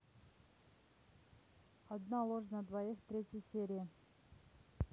одна ложь на двоих третья серия